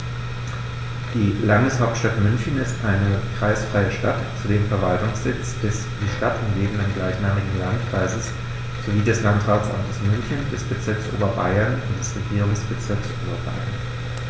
Die Landeshauptstadt München ist eine kreisfreie Stadt, zudem Verwaltungssitz des die Stadt umgebenden gleichnamigen Landkreises sowie des Landratsamtes München, des Bezirks Oberbayern und des Regierungsbezirks Oberbayern.